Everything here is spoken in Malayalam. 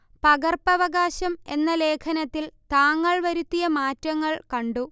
പകർപ്പവകാശം എന്ന ലേഖനത്തിൽ താങ്കൾ വരുത്തിയ മാറ്റങ്ങൾ കണ്ടു